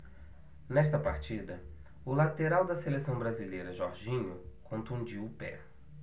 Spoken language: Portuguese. nesta partida o lateral da seleção brasileira jorginho contundiu o pé